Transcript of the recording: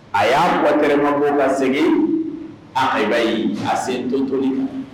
A y'a mɔgɔkɛma segin ayi a sen dɔnt